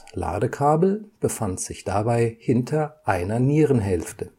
Ladekabel hinter einer Nierenhälfte